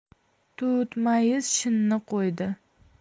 tut mayiz shinni qo'ydi